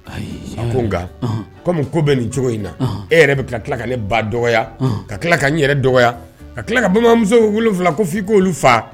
A ko komi ko bɛ nin cogo in na e yɛrɛ tila ka ne ba dɔgɔ ka tila ka n dɔgɔ ka tila ka bamananmusofila f' i k'olu faa